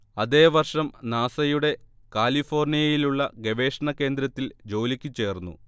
അതേ വർഷം നാസയുടെ കാലിഫോർണിയയിലുള്ള ഗവേഷണ കേന്ദ്രത്തിൽ ജോലിക്കു ചേർന്നു